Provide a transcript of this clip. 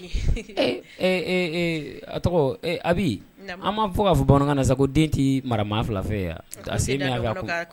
ɛ ɛ a tɔgɔ Abi an m'a fɔ k'a fɔ bamanankan na ko den tɛ mara maa fila fɛ wa, a se minɛ